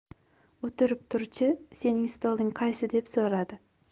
o'tirib turchi sening stoling qaysi deb so'radi